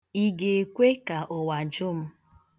Ị ga-ekwe ka ụwa jụ m?